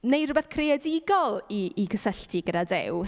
Wneud rywbeth creadigol i i gysylltu gyda Duw.